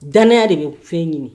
Danya de bɛ fɛn ɲini